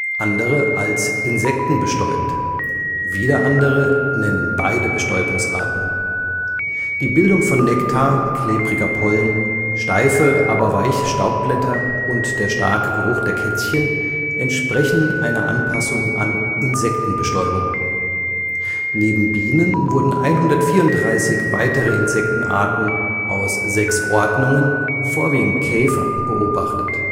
andere als insektenbestäubt, wieder andere nennen beide Bestäubungsarten. Die Bildung von Nektar, klebriger Pollen, steife, aber weiche Staubblätter und der starke Geruch der Kätzchen entsprechen einer Anpassung an Insektenbestäubung. Neben Bienen wurden 134 weitere Insektenarten aus sechs Ordnungen, vorwiegend Käfer, beobachtet